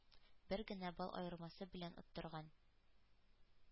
Бер генә балл аермасы белән оттырган.